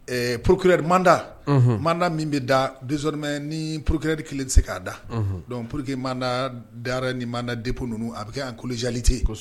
Ɛɛ procureur, mandat ;Unhun; mandat min bɛ da desormais ni procureur kelen bɛ se k'a da; Unhun; donc pour que mandat d'arrêt ni mandat de depôt ninnu a bɛ kɛ collégialité ;Kosɛbɛ.